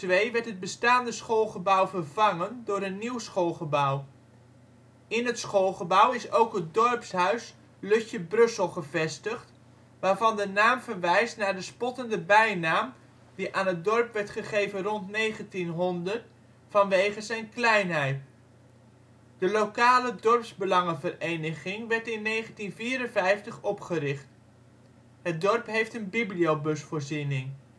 2002 werd het bestaande schoolgebouw vervangen door een nieuw schoolgebouw. In het schoolgebouw is ook het dorpshuis ' Lutje Brussel ' gevestigd, waarvan de naam verwijst naar de spottende bijnaam die aan het dorp werd gegeven rond 1900 vanwege zijn kleinheid. De lokale dorpsbelangenvereniging werd in 1954 opgericht. Het dorp heeft een bibliobusvoorziening